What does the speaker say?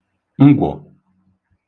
ngwọ̀